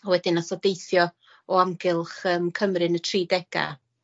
A wedyn nath o deithio o amgylch yym Cymru yn y tri dega.